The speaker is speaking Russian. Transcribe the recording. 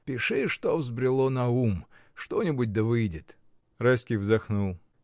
— Пиши, что взбрело на ум, что-нибудь да выйдет. Райский вздохнул.